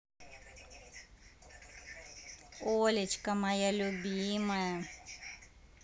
олечка моя любимая